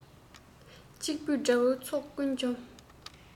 གཅིག པུས དགྲ བོའི ཚོགས ཀུན བཅོམ